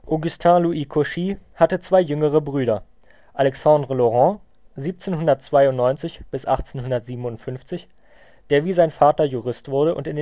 Augustin Louis Cauchy hatte zwei jüngere Brüder: Alexandre Laurent (1792 – 1857), der wie sein Vater Jurist wurde